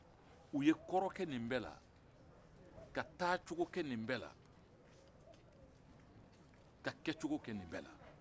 u ye kɔrɔ kɛ ni bɛɛ la ka taacogo kɛ ni bɛɛ la ka kɛcogo kɛ ni bɛɛ la